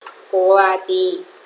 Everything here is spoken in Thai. โกวาจี